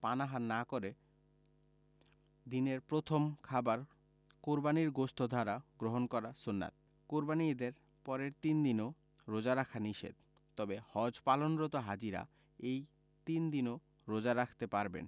পানাহার না করে দিনের প্রথম খাবার কোরবানির গোশত দ্বারা গ্রহণ করা সুন্নাত কোরবানির ঈদের পরের তিন দিনও রোজা রাখা নিষেধ তবে হজ পালনরত হাজিরা এই তিন দিনও রোজা রাখতে পারবেন